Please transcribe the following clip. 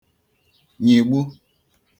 nyị̀gbu